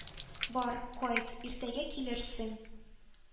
Бар, кайт, иртәгә килерсең.